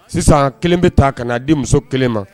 Sisan kelen bɛ ta ka na'a di muso kelen ma